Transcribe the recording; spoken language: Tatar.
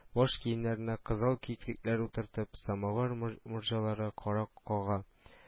Баш киемнәренә кызыл кикрикләр утыртып, самовар мор морҗалары кара-кага